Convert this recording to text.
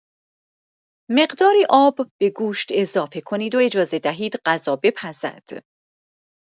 مقداری آب به گوشت اضافه کنید و اجازه دهید غذا بپزد.